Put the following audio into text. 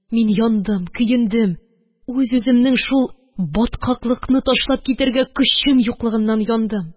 Мин яндым, көендем, үз-үземнең шул баткаклыкны ташлап китәргә көчем юклыгыннан яндым,